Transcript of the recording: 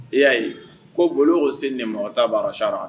I y'a ye ko bolo o se nin mɔgɔta bara sayara